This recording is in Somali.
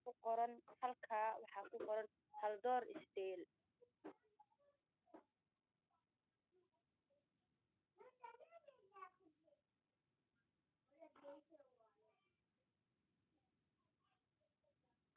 Hal kaa waxaa ku qoran hal door